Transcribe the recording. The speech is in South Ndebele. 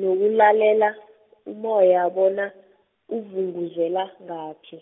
nokulalela umoya bona, uvunguzela, ngaphi.